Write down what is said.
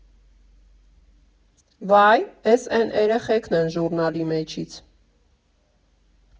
Վա՜յ, էս էն էրեխեքն են ժուռնալի մեջից։